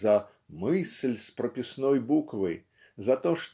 за "Мысль" с прописной буквы за то